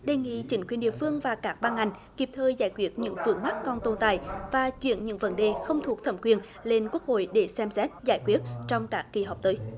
đề nghị chính quyền địa phương và các ban ngành kịp thời giải quyết những vướng mắc còn tồn tại và chuyển những vấn đề không thuộc thẩm quyền lên quốc hội để xem xét giải quyết trong các kỳ họp tới